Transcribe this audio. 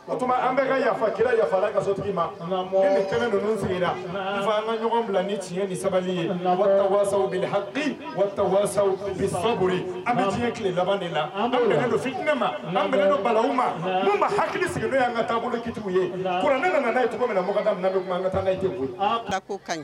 O tuma an bɛka ka yafafa kira yafala katigi kɛnɛ ninnu sigira fo an ka ɲɔgɔn bila ni tiɲɛ ni sabali yesaw ni hakilisa saba an bɛ tiɲɛ tile laban de la don fi ne ma an bala n hakili sigilen'an ka taabolo ki yeuran ne nana' cogo min mɔgɔ an ka taa